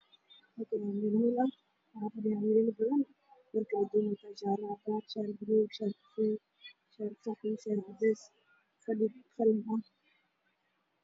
Waa meel hool ah wiilal badan ayaa fadhiyo